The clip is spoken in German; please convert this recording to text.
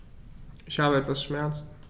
Ich habe etwas Schmerzen.